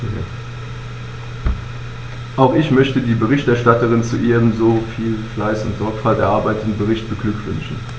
Auch ich möchte die Berichterstatterin zu ihrem mit so viel Fleiß und Sorgfalt erarbeiteten Bericht beglückwünschen.